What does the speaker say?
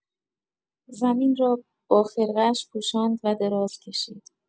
زمین را با خرقه‌اش پوشاند و دراز کشید.